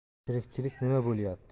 tirikchilik nima bo'lyapti